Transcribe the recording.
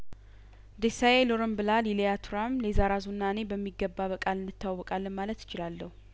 ዴሳዬ ሎሮን ብላ ሊሊያ ቱራም ሊዛራዙና እኔ በሚገባ በቃል እንተዋወቃለን ማለት እችላለሁ